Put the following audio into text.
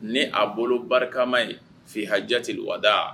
Ne aa bolo barikama ye f' ha jatewada